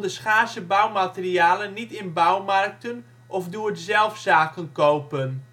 schaarse bouwmaterialen niet in bouwmarkten of doe-het-zelf-zaken kopen